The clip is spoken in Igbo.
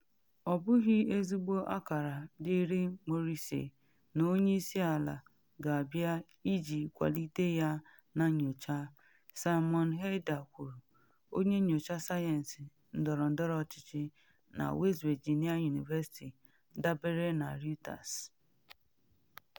“Ọ bụghị ezigbo akara dịịrị Morrisey na onye isi ala ga-abịa iji kwalite ya na nyocha,” Simon Haeder kwuru, onye nyocha sayensị ndọrọndọrọ ọchịchị na West Virginia University, dabere na Reuters.